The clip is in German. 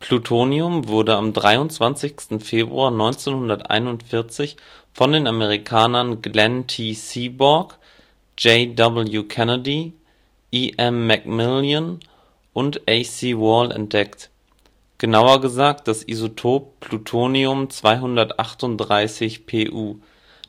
Plutonium wurde am 23. Februar 1941 von den Amerikanern Glenn T. Seaborg, J. W. Kennedy, E. M. McMillan und A. C. Wahl entdeckt. Genauer gesagt, das Isotop Plutonium 238Pu,